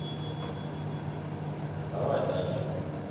давай дальше